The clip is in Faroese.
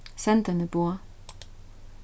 send eini boð